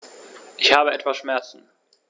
Ich habe etwas Schmerzen.